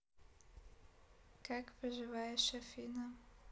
как поживаешь афина